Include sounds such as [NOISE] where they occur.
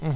[HESITATION] [HESITATION]